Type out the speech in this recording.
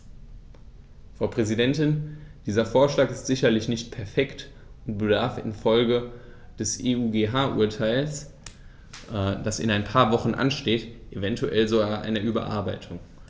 Frau Präsidentin, dieser Vorschlag ist sicherlich nicht perfekt und bedarf in Folge des EuGH-Urteils, das in ein paar Wochen ansteht, eventuell sogar einer Überarbeitung.